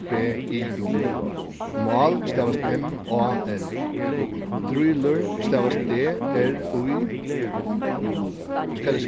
b i mál stavast m á l drýlur stavast d r í skal eg